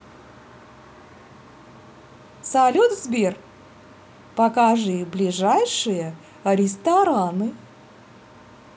салют сбер покажи ближайшие рестораны